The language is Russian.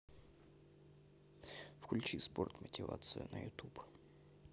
включи спорт мотивацию на ютуб